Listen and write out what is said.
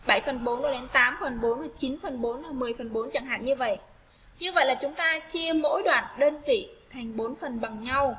là chấm hỏi như vậy như vậy là chúng ta chia mỗi đoạn đơn vị thành bốn phần bằng nhau